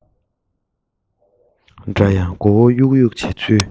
འདྲ ཡང མགོ བོ གཡུག གཡུག བྱེད ཚུལ